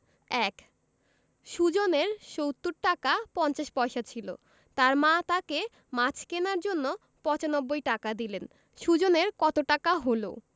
১ সুজনের ৭০ টাকা ৫০ পয়সা ছিল তার মা তাকে মাছ কেনার জন্য ৯৫ টাকা দিলেন সুজনের কত টাকা হলো